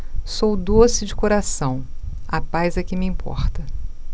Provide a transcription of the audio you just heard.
sou doce de coração a paz é que me importa